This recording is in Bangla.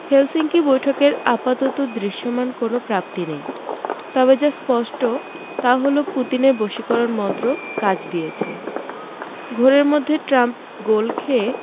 হেলসিঙ্কি বৈঠকের আপাতত দৃশ্যমান কোনো প্রাপ্তি নেই তবে যা স্পষ্ট তা হলো পুতিনের বশীকরণ মন্ত্র কাজ দিয়েছে ঘোরের মধ্যে ট্রাম্প গোল খেয়ে